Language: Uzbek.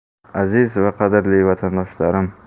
aziz va qadrli vatandoshlarim